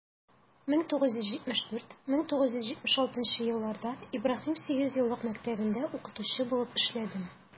1974 - 1976 елларда ибраһим сигезьеллык мәктәбендә укытучы булып эшләдем.